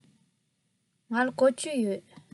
ང ལ སྒོར བཅུ ཡོད